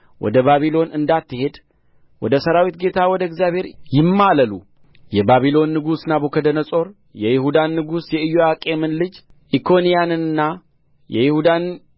ወደ ባቢሎን እንዳትሄድ ወደ ሠራዊት ጌታ ወደ እግዚአብሔር ይማለሉ የባቢሎን ንጉሥ ናቡከደነፆር የይሁዳን ንጉሥ የኢዮአቄምን ልጅ ኢኮንያንንና የይሁዳንና